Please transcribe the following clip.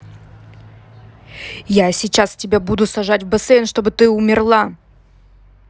я сейчас тебя буду сажать в бассейн чтобы ты умерла